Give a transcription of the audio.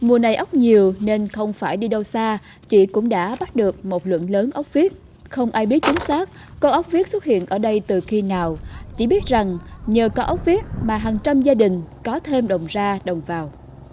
mùa này ốc nhiều nên không phải đi đâu xa chị cũng đã bắt được một lượng lớn ốc vít không ai biết chính xác có ốc vít xuất hiện ở đây từ khi nào chỉ biết rằng nhờ có ốc vít mà hàng trăm gia đình có thêm đồng ra đồng vào